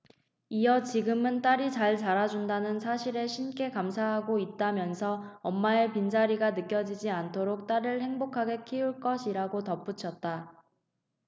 이어 지금은 딸이 잘 자라준다는 사실에 신께 감사하고 있다 면서 엄마의 자리가 느껴지지 않도록 딸을 행복하게 키울 것 이라고 덧붙였다